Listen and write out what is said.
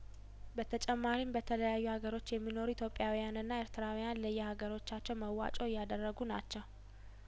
በተጨማሪም በተለያዩ ሀገሮች የሚኖሩ ኢትዮጵያውያንና ኤርትራውያን ለየሀገሮቻቸው መዋጮ እያደረጉ ናቸው